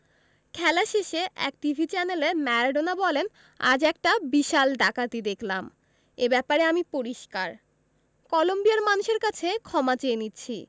খেলা শেষে এক টিভি চ্যানেলে ম্যারাডোনা বলেন আজ একটা বিশাল ডাকাতি দেখলাম এ ব্যাপারে আমি পরিষ্কার কলম্বিয়ার মানুষের কাছে ক্ষমা চেয়ে নিচ্ছি